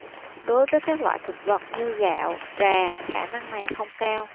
đối với các loại thực vật như gạo trà khả năng này không cao